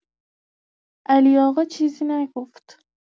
علی‌آقا چیزی نگفت.